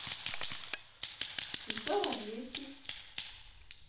веселый английский